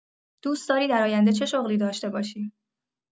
دوست‌داری در آینده چه شغلی داشته باشی؟